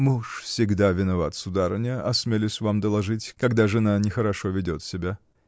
-- Муж всегда виноват, сударыня, осмелюсь вам доложить, когда жена нехорошо ведет себя.